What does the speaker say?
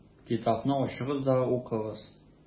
Китапны ачыгыз да укыгыз: